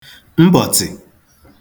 mbọ̀tsị̀